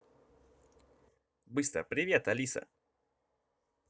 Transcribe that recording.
быстро привет алиса